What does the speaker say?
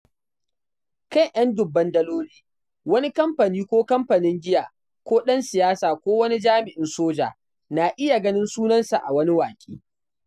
Kan ‘yan dubban daloli, “wani kamfani ko kamfanin giya ko ɗan siyasa ko wani jami’in soja” na iya ganin sunansa a wani waƙe.